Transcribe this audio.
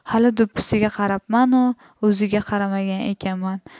hali do'ppisiga qarapmanu o'ziga qaramagan ekanman